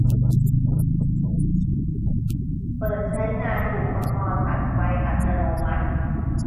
เปิดใช้งานอุปกรณ์ตัดไฟอัตโนมัติ